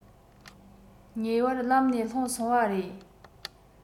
ངེས པར ལམ ནས ལྷུང སོང བ རེད